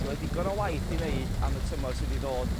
...lle ma' digon o waith i neud am y tymor sydd i ddod